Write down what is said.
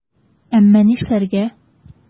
Әмма нишләргә?!